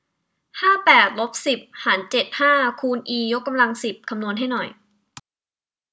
ห้าแปดลบสิบหารเจ็ดห้าคูณอียกกำลังสิบคำนวณให้หน่อย